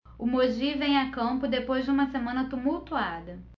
o mogi vem a campo depois de uma semana tumultuada